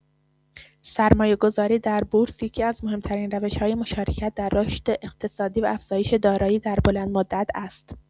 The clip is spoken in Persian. سرمایه‌گذاری در بورس یکی‌از مهم‌ترین روش‌های مشارکت در رشد اقتصادی و افزایش دارایی در بلندمدت است.